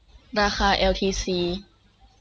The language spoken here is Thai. ราคาแอลทีซี